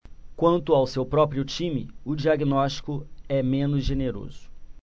quanto ao seu próprio time o diagnóstico é menos generoso